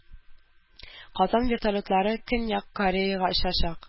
Казан вертолетлары Көньяк Кореяга очачак